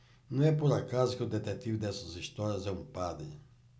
não é por acaso que o detetive dessas histórias é um padre